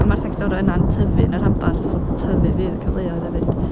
A mae'r sectorau yna yn tyfu yn y rhanbarth, so tyfu fydd y cyfleoedd hefyd.